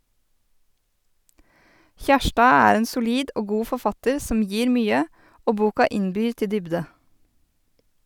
Kjærstad er en solid og god forfatter som gir mye, og boka innbyr til dybde.